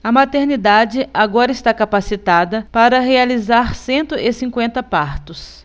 a maternidade agora está capacitada para realizar cento e cinquenta partos